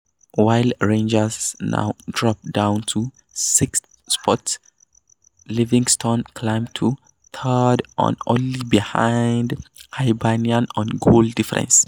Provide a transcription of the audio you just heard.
While Rangers now drop down to sixth spot, Livingston climb to third and only behind Hibernian on goal difference.